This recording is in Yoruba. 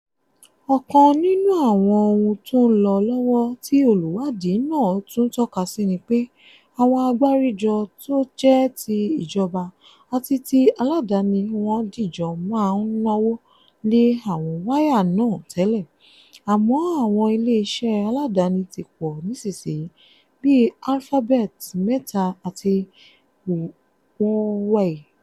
Ọ̀kan nínú àwọn ohun tó ń lọ lọ́wọ́ tí olùwádìí náà tún tọ́ka sí ni pé àwọn àgbáríjọ tó jẹ́ ti ìjọba àti ti aládani wọ́n dìjọ máa ń náwó lé àwọn wáyà náà tẹ́lẹ̀, àmọ́ àwọn iléeṣẹ́ aládaní ti pọ̀ nísìnyìí bíi Alphabet, Meta àti Huawei.